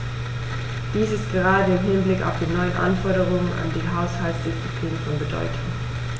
Dies ist gerade im Hinblick auf die neuen Anforderungen an die Haushaltsdisziplin von Bedeutung.